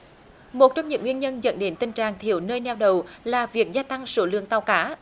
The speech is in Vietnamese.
một trong những nguyên nhân dẫn đến tình trạng thiếu nơi neo đậu là việc gia tăng số lượng tàu cá